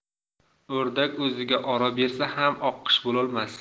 o'rdak o'ziga oro bersa ham oqqush bo'lolmas